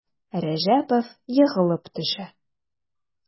Рәҗәпов егылып төшә.